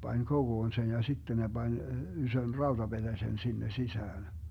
pani kokoon sen ja sitten ne pani ison rautapetäsen sinne sisään